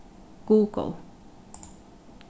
google